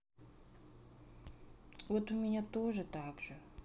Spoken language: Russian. вот у меня тоже также